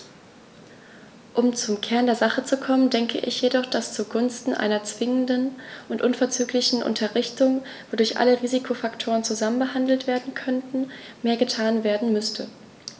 Um zum Kern der Sache zu kommen, denke ich jedoch, dass zugunsten einer zwingenden und unverzüglichen Unterrichtung, wodurch alle Risikofaktoren zusammen behandelt werden könnten, mehr getan werden müsste.